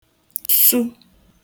-su